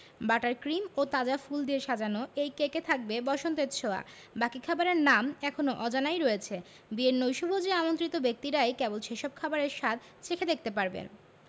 butter cream ও তাজা ফুল দিয়ে সাজানো সেই কেকে থাকবে বসন্তের ছোঁয়া বাকি খাবারের নাম এখনো অজানাই রয়েছে বিয়ের নৈশভোজে আমন্ত্রিত ব্যক্তিরাই কেবল সেসব খাবারের স্বাদ চেখে দেখতে পারবেন